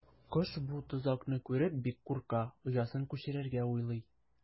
Кош бу тозакны күреп бик курка, оясын күчерергә уйлый.